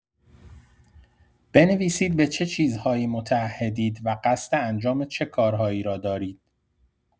بنویسید به چه چیزهایی متعهدید و قصد انجام چه کارهایی را دارید.